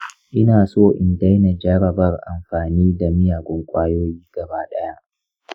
ina so in daina jarabar amfani da miyagun ƙwayoyi gaba ɗaya.